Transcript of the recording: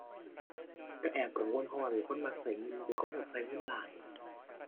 ก็แอบกังวล เพราะว่าเป็นคนมักก็เงิน เป็นคนแบบก็เงินหลาย